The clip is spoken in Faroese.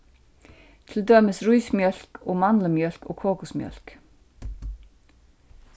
til dømis rísmjólk og mandlumjólk og kokusmjólk